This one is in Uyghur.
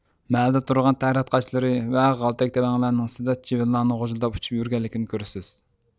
مەھەللىدە تۇرغان تەرەت قاچىلىرى ۋە غالتەك تەۋەڭلەرنىڭ ئۈستىدە چىۋىنلارنىڭ غۇژۇلداپ ئۇچۇپ يۈرگەنلىكىنى كۆرىسىز